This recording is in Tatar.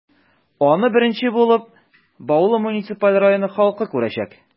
Аны беренче булып, Баулы муниципаль районы халкы күрәчәк.